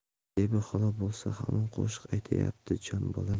zebi xola bo'lsa hamon qo'shiq aytyapti jon bolam